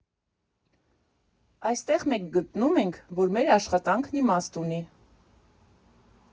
Այստեղ մենք գտնում ենք, որ մեր աշխատանքն իմաստ ունի։